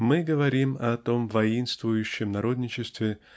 Мы говорим о том воинствующем народничестве